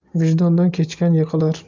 vijdondan kechgan yiqilar